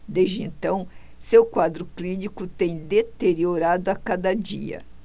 desde então seu quadro clínico tem deteriorado a cada dia